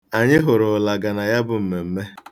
Anyị hụrụ Ụlaga na ya bụ mmemme.